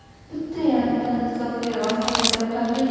bitta yarimta insofliroq xaridor toping